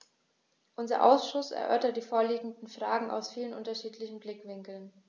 Unser Ausschuss erörtert die vorliegenden Fragen aus vielen unterschiedlichen Blickwinkeln.